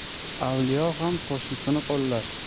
avliyo ham qo'shnisini qo'llar